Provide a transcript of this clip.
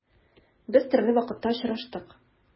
Без төрле вакытта очраштык.